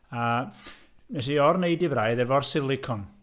A wnes i or-wneud i braidd efo'r silicone.